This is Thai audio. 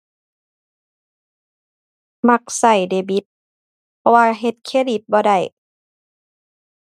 มักใช้เดบิต เพราะว่าเฮ็ดเครดิตบ่ได้